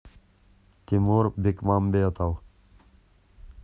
тимур бекмамбетов